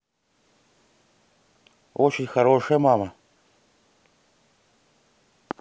чего очень хорошая мама